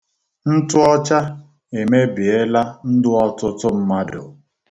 Ntụọcha emebiela ndụ ọtụtụ mmadụ.